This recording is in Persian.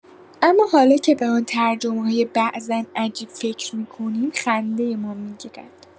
اما حالا که به آن ترجمه‌های بعضا عجیب فکر می‌کنیم، خنده‌مان می‌گیرد.